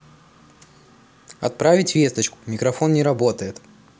отправить весточку микрофон не работает